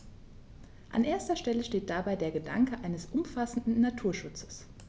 An erster Stelle steht dabei der Gedanke eines umfassenden Naturschutzes.